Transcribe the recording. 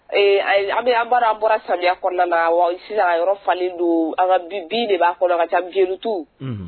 An bɛ an baara an bɔra samiya kɔnɔna wa sisan yɔrɔ falen don an ka bi bin de b'a kɔnɔ ka taa bintu